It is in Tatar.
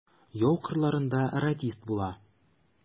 Яу кырларында радист була.